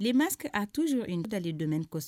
Tilema a tusi in tali don kɔ